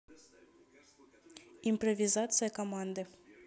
импровизация команды